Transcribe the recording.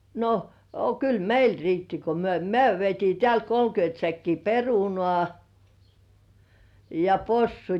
no a kyllä meille riitti kun me me vietiin täältä kolmekymmentä säkkiä perunaa ja possut